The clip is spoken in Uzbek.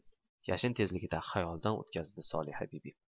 yashin tezligida xayolidan o'tkazdi solihabibi